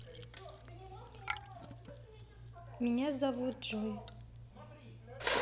меня зовут джой